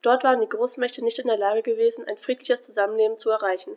Dort waren die Großmächte nicht in der Lage gewesen, ein friedliches Zusammenleben zu erreichen.